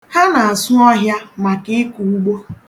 Ha na-asụ ọhịa maka ịkọ ugbo